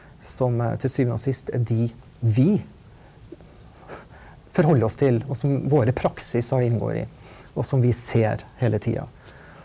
som til syvende og sist er det vi forholder oss til og som våre praksiser inngår i og som vi ser hele tida.